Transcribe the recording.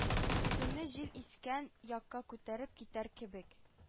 Үзеңне җил искән якка күтәреп китәр кебек